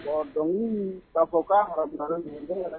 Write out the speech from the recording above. Mɔdɔn baa fɔ ka